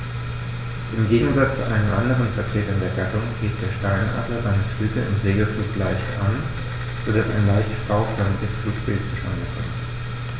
Im Gegensatz zu allen anderen Vertretern der Gattung hebt der Steinadler seine Flügel im Segelflug leicht an, so dass ein leicht V-förmiges Flugbild zustande kommt.